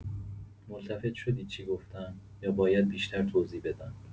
ملتفت شدی چی گفتم یا باید بیشتر توضیح بدم؟